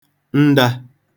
ndā